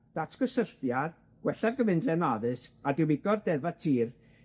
datgysylltiad, gwella'r gyfundrefn addysg, a diwygo'r deddfa tir